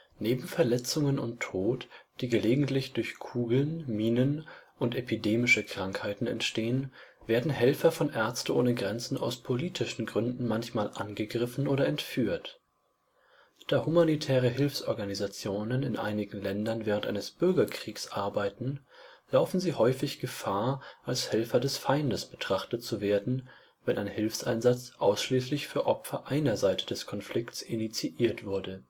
Neben Verletzungen und Tod, die gelegentlich durch Kugeln, Minen und epidemische Krankheiten entstehen, werden Helfer von Ärzte ohne Grenzen aus politischen Gründen manchmal angegriffen oder entführt. Da humanitäre Hilfsorganisationen in einigen Ländern während eines Bürgerkriegs arbeiten, laufen sie häufig Gefahr, als „ Helfer des Feindes “betrachtet zu werden, wenn ein Hilfseinsatz ausschließlich für Opfer einer Seite des Konflikts initiiert wurde